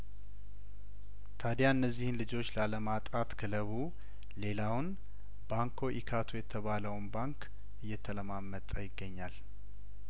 ታዲያ እነዚህን ልጆች ላለማጣት ክለቡ ሌላውን ባንኮ ኢካቱ የተባለውን ባንክ እየተለማመጠ ይገኛል